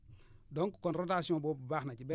donc kon rotation boobu baax na ci